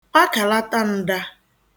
kpakàlata ǹda